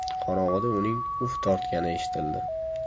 qorong'ida uning uf tortgani eshitildi